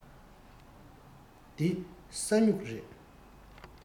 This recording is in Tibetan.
འདི ས སྨྱུག རེད